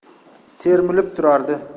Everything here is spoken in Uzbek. termilib turardi